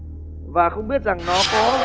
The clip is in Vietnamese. và không biết rằng nó có